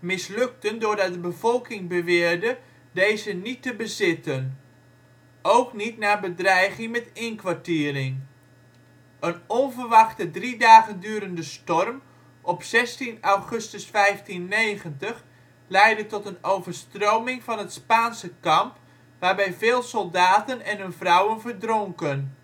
mislukten doordat de bevolking beweerde deze niet te bezitten, ook niet na bedreiging met inkwartiering. Een onverwachte drie dagen durende storm op 16 augustus 1590 leidde tot een overstroming van het Spaanse kamp, waarbij veel soldaten en hun vrouwen verdronken.